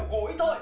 gối thôi